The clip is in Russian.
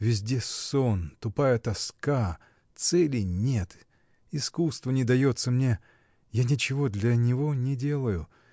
Везде сон, тупая тоска, цели нет, искусство не дается мне, я ничего для него не делаю.